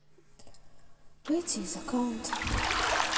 выйти из аккаунта